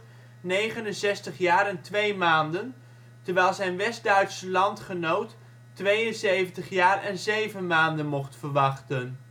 1989 69 jaar en twee maanden terwijl zijn West-Duitse landgenoot 72 jaar en 7 maanden mocht verwachten